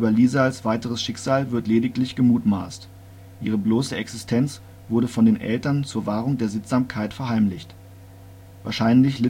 Lieserls weiteres Schicksal wird lediglich gemutmaßt: Ihre bloße Existenz wurde von den Eltern zur Wahrung der Sittsamkeit verheimlicht. Wahrscheinlich